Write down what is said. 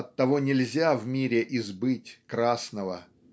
оттого нельзя в мире избыть красного.